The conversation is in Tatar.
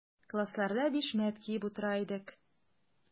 Классларда бишмәт киеп утыра идек.